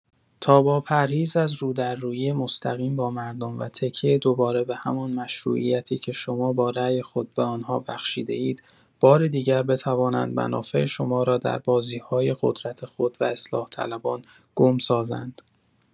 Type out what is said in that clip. تا با پرهیز از رودرویی مستقیم با مردم و تکیه دوباره به همان مشروعیتی که شما با رای خود به آنها بخشیده‌اید، بار دیگر بتوانند منافع شما را در بازی‌های قدرت خود و اصلاح‌طلبان گم سازند.